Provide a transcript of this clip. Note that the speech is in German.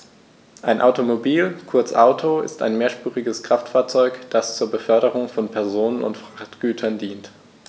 Ein Automobil, kurz Auto, ist ein mehrspuriges Kraftfahrzeug, das zur Beförderung von Personen und Frachtgütern dient.